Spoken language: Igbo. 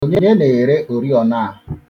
Onye na-ere oriọna a?